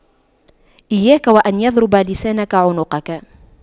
إياك وأن يضرب لسانك عنقك